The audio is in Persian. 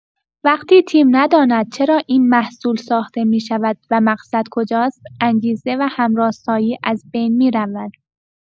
وقتی تیم نداند چرا این محصول ساخته می‌شود و مقصد کجاست، انگیزه و هم‌راستایی از بین می‌رود.